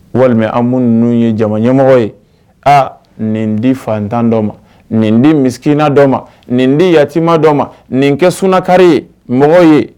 Walima an munun ye jama ɲɛmɔgɔ ye, aa nin di fantan dɔ ma, nin di misikina dɔ ma ,nin di yatima dɔ ma nin kɛ sun kari ye mɔgɔw ye.